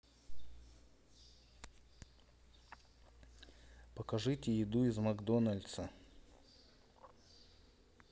покажите еду из макдональдса